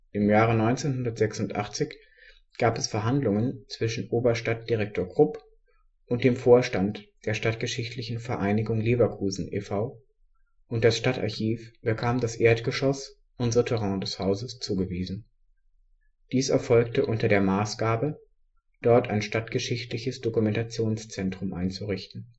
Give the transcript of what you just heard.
Im Jahre 1986 gab es Verhandlungen zwischen Oberstadtdirektor Krupp und dem Vorstand der Stadtgeschichtlichen Vereinigung Leverkusen e.V., und das Stadtarchiv bekam das Erdgeschoss und Souterrain des Hauses zugewiesen. Dies erfolgte unter der Maßgabe, dort ein stadtgeschichtliches Dokumentationszentrum einzurichten